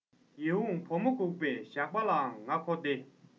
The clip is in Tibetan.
ཡིད འོང བུ མོ འགུགས པའི ཞགས པ ལའང ང མཁོ སྟེ